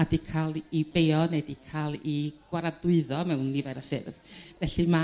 a 'di ca'l 'u beuo neu 'di ca'l 'u gwaradwyddo mewn nifer o ffyrdd felly ma'